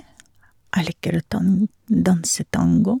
Jeg liker å tan danse tango.